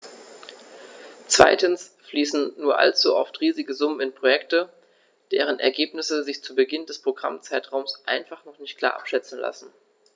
Zweitens fließen nur allzu oft riesige Summen in Projekte, deren Ergebnisse sich zu Beginn des Programmzeitraums einfach noch nicht klar abschätzen lassen.